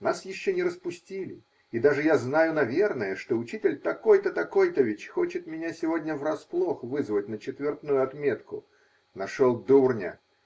Нас еще не распустили, и даже я знаю наверное, что учитель тако-то такойтович хочет меня сегодня врасплох вызвать на четвертную отметку. Нашел дурня!